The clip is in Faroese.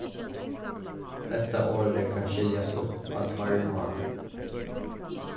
hetta orðið kann skiljast upp á tveir mátar